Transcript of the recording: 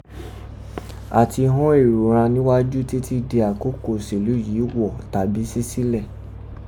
ati họ́n èrò ghan nigwaju titi dà akoko oselu yii o wo tabi si sile.